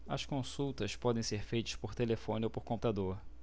as consultas podem ser feitas por telefone ou por computador